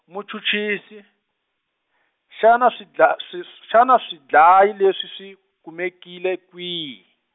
muchuchisi, xana swidla- xis-, xana swidlayi leswi swi, kumekile kwihi?